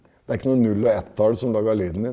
det er ikke noe null og ett tall som lager lyden din.